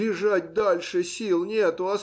Бежать дальше сил нету